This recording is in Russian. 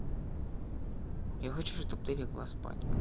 я хочу чтобы ты легла спать